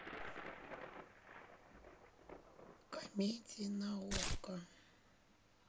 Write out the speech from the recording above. комедии на окко